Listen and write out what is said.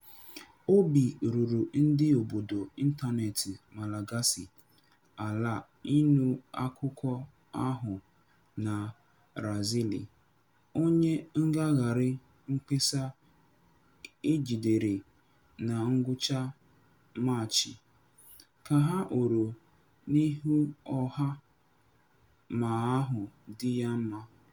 Obi ruru ndị obodo ịntaneetị Malagasy ala ịnụ akụkọ ahụ na Razily, onye ngagharị mkpesa e jidere na ngwụcha Maachị, ka a hụrụ n'ihu ọha (fr) ma ahụ dị ya mma.